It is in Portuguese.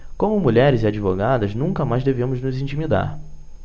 como mulheres e advogadas nunca mais devemos nos intimidar